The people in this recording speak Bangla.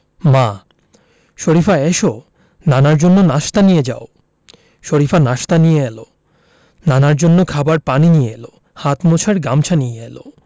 মা শরিফা এসো নানার জন্য নাশতা নিয়ে যাও শরিফা নাশতা নিয়ে এলো নানার জন্য খাবার পানি নিয়ে এলো হাত মোছার গামছা নিয়ে এলো